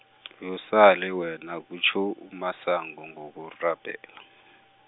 yosale wena kutjho uMasango ngokurabhela .